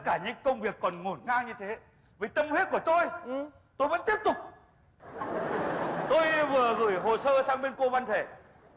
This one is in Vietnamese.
cả những công việc còn ngổn ngang như thế với tâm huyết của tôi tôi vẫn tiếp tục tôi vừa gửi hồ sơ sang bên cô văn thể